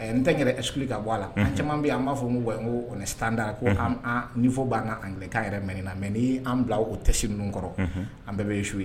N tɛ n yɛrɛs ka bɔ a la caman bɛ an b'a fɔ ko tan dara ko'fɔ b'a kalekan yɛrɛ m nin na mɛ' anan bila o tɛ se ninnu kɔrɔ an bɛɛ bɛyisu ye